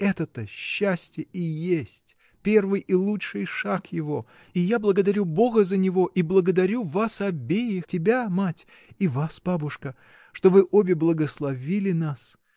Это-то счастье и есть, первый и лучший шаг его — и я благодарю Бога за него и благодарю вас обеих, тебя, мать, и вас, бабушка, что вы обе благословили нас.